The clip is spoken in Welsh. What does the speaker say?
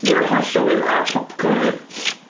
Mae o'n hollol weird. A popcorn hefyd.